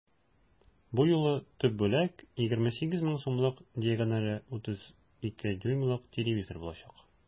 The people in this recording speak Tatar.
Бу юлы төп бүләк 28 мең сумлык диагонале 32 дюймлык телевизор булачак.